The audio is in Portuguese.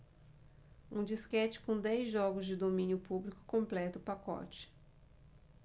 um disquete com dez jogos de domínio público completa o pacote